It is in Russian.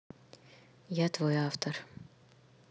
я твой автор